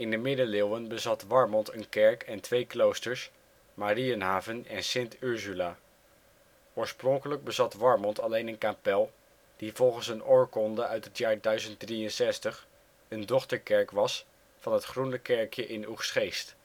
de middeleeuwen bezat Warmond een kerk en twee kloosters: Mariënhaven en St. Ursula. Oorspronkelijk bezat Warmond alleen een kapel, die volgens een oorkonde uit het jaar 1063 een dochterkerk was van het Groene Kerkje in Oegstgeest